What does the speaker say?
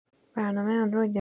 برنامه اندرویده؟